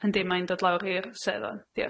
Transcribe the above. Yndi, ma' 'i'n dod lawr i'r sedd wan, diolch.